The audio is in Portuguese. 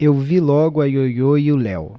eu vi logo a ioiô e o léo